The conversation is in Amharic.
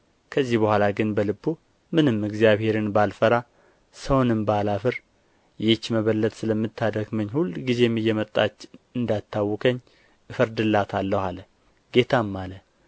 ከዚህ በኋላ ግን በልቡ ምንም እግዚአብሔርን ባልፈራ ሰውንም ባላፍር ይህች መበለት ስለምታደክመኝ ሁልጊዜም እየመጣች እንዳታውከኝ እፈርድላታለሁ አለ ጌታም አለ